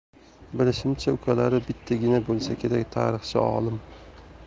bilishimcha ukalari bittagina bo'lsa kerak tarixchi olim